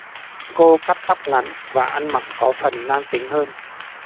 cô cắt tóc ngắn và ăn mặc có phần nam tính hơn